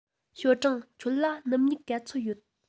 ཞའོ ཀྲང ཁྱོད ལ སྣུམ སྨྱུག ག ཚོད ཡོད